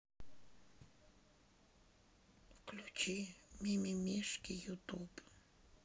включи мимимишки ютуб